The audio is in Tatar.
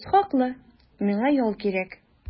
Сез хаклы, миңа ял кирәк.